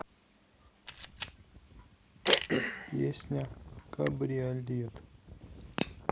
песня кабриолет